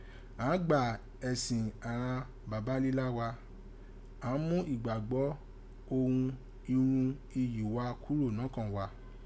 Án gbà ẹ̀sìn àghan babalílá wa, án mú ìgbàgbọ́ òghun irun uyì wa kúrò nọkàn wa.